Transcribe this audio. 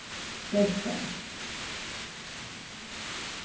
gevst bara